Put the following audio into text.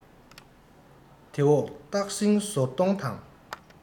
དེ འོག སྟག སྲིང ཟོར གདོང དང